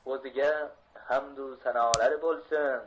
o'ziga hamdu sanolar bo'lsin